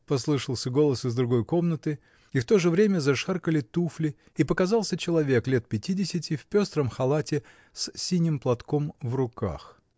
— послышался голос из другой комнаты, и в то же время зашаркали туфли и показался человек, лет пятидесяти, в пестром халате, с синим платком в руках.